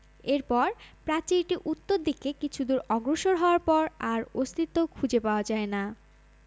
এরপর প্রাচীরটি উত্তর দিকে কিছু দূর অগ্রসর হওয়ার পর আর অস্তিত্ব খুঁজে পাওয়া যায় না